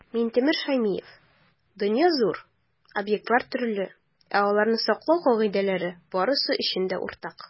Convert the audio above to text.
Минтимер Шәймиев: "Дөнья - зур, объектлар - төрле, ә аларны саклау кагыйдәләре - барысы өчен дә уртак".